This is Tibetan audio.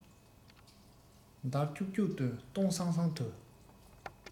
འདར ལྕུག ལྕུག ཏུ སྟོང སང སང དུ